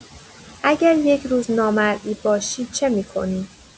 اگر یک روز نامرئی باشی چه می‌کنی؟